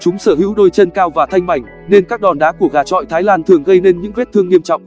chúng sở hữu đôi chân cao và thanh mảnh nên các đòn đá của gà chọi thái lan thường gây nên những vết thương nghiêm trọng